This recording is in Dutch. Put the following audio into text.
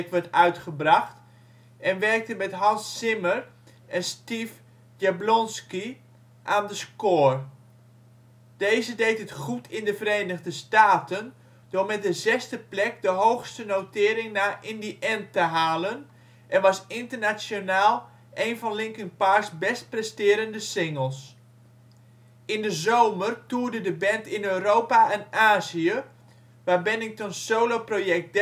werd uitgebracht en werkte met Hans Zimmer en Steve Jablonsky aan de score. Deze deed het goed in de Verenigde Staten door met de zesde plek de hoogste notering na " In the End " te halen en was internationaal een van Linkin Park 's best presterende singles. In de zomer toerde de band in Europa en Azië waar Benningtons soloproject